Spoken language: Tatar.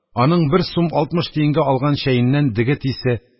Аның бер сум алтмыш тиенгә алган чәеннән дегет исе,